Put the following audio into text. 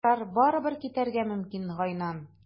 Ярар, барыбер, китәргә мөмкин, Гайнан.